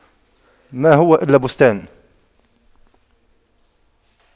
ما هو إلا بستان